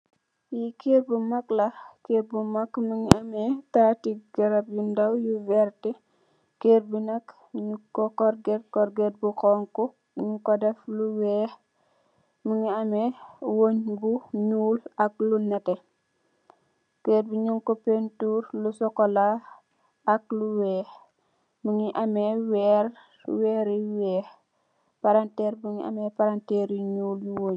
Li keur bu mak la keur bi mungi ame tati garap nyu ndaw yu werta keur bi nak nyung ku corget ,corget bu xhong khu nyung ku def lu wekh mungi am wenye bu nyul ak lu neteh keur bi nyung ku paintur lu chocola ak lu wekh mungi ame werr yu wekh am planter